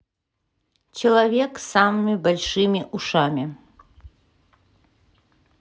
человек с самыми большими ушами